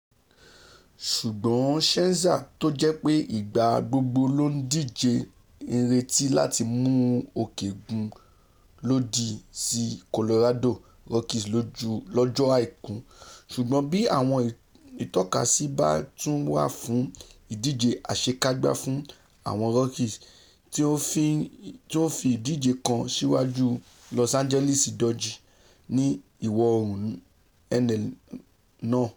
Ṣùgbọn Scherzer tójẹ́pé ìgbà gbogbo ló ndíje ńretí láti mú òkè gùn lòdì sí Colorado Rockies lọ́jọ́ Àìkú, ṣùgbọ́n bí àwọn ìtọ́kasí bá tún wà fún ìdíje àṣekágbá fún Àwọn Rockies, tí ó ńfi ìdíje kan síwáju Los Angeles Dodgers ní Ìwọ̀-oòrùn NL náà.